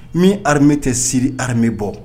Nin armée tɛ Siri armée bɔ.